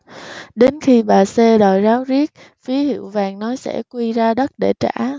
đến khi bà c đòi ráo riết phía hiệu vàng nói sẽ quy ra đất để trả